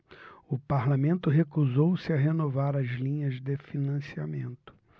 o parlamento recusou-se a renovar as linhas de financiamento